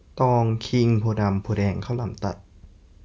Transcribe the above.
ตองคิงโพธิ์ดำโพธิ์แดงข้าวหลามตัด